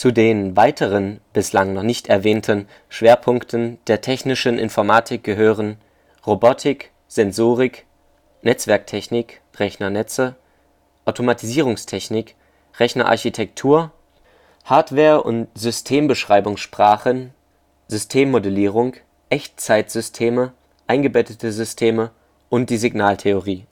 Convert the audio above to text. den weiteren, bislang noch nicht erwähnten Schwerpunkten der technischen Informatik gehören: Robotik Sensorik Netzwerktechnik (Rechnernetze) Automatisierungstechnik Rechnerarchitektur Hardware - und Systembeschreibungssprachen Systemmodellierung Echtzeitsysteme Eingebettete Systeme Signaltheorie